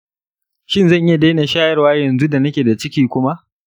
shin zan iya daina shayarwa yanzu da nake da ciki kuma?